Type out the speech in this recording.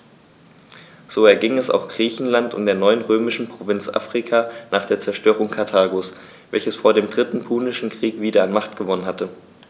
So erging es auch Griechenland und der neuen römischen Provinz Afrika nach der Zerstörung Karthagos, welches vor dem Dritten Punischen Krieg wieder an Macht gewonnen hatte.